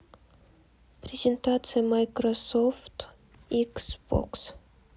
презентация майкрософт икс бокс